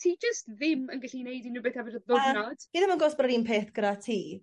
ti jyst ddim yn gallu neud unryw beth efo dy ddiwrnod. Yym fi ddim yn gwbo os bo' o'r un peth gyda ti